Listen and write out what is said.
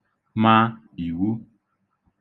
mā ìwu